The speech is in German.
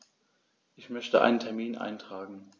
Ich möchte einen Termin eintragen.